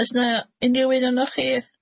Oes 'na unryw un onoch chi